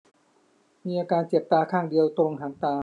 มีอาการเจ็บตาข้างเดียวตรงหางตา